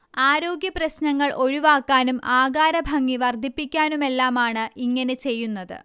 ആരോഗ്യപ്രശ്നങ്ങൾ ഒഴിവാക്കാനും ആകാരഭംഗി വർദ്ധിപ്പിക്കാനുമെല്ലാമാണ് ഇങ്ങനെ ചെയ്യുന്നത്